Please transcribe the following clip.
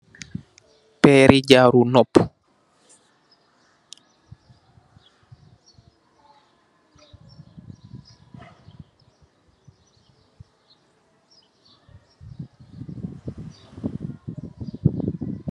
Peeri jaaru nopu.